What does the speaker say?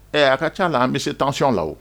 Ɛ a ka ca la an bɛ se taafiɔn la